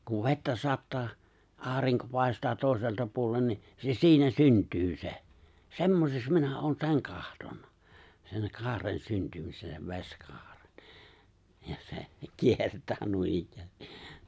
kun vettä sataa aurinko paistaa toiselta puolen niin se siinä syntyy se semmoiseksi minä olen sen katsonut sen kaaren syntymisen sen vesikaaren ja se kiertää noinikään